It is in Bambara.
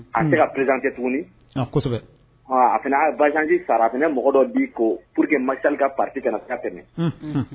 A tɛ ka perez kɛ tuguni a bakarijanzji sara a bɛna mɔgɔ dɔ bi ko pur que mali ka pa kana tɛmɛ